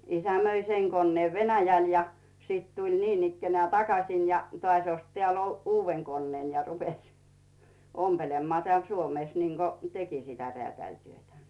isä myi sen koneen Venäjälle ja sitten tuli niinikään takaisin ja taas osti täällä uuden koneen ja rupesi ompelemaan täällä Suomessa niin kuin teki sitä räätälityötä